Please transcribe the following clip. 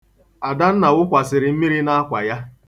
Adanna wụkwàsịrị mmiri n'akwa ya.